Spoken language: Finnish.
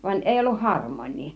vaan ei ollut harmonia